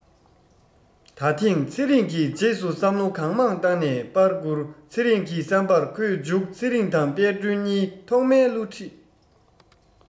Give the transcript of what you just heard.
ད ཐེངས ཚེ རིང གིས རྗེས སུ བསམ བློ གང མང བཏང ནས པར བསྐུར ཚེ རིང གི བསམ པར ཁོས མཇུག ཚེ རིང དང དཔལ སྒྲོན གཉིས ཐོག མའི བསླུ བྲིད